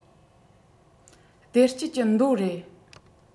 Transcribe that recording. བདེ སྐྱིད ཀྱི མདོ རེད